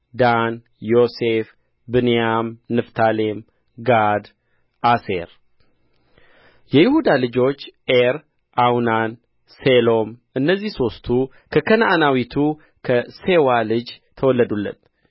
ዳን ዮሴፍ ብንያም ንፍታሌም ጋድ አሴር የይሁዳ ልጆች ዔር አውናን ሴሎም እነዚህ ሦስቱ ከከነዓናዊቱ ከሴዋ ልጅ ተወለዱለት